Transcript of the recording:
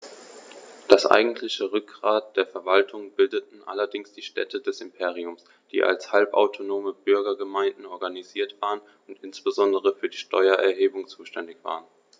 Das eigentliche Rückgrat der Verwaltung bildeten allerdings die Städte des Imperiums, die als halbautonome Bürgergemeinden organisiert waren und insbesondere für die Steuererhebung zuständig waren.